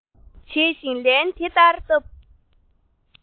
བྱེད བཞིན ལན དེ ལྟར བཏབ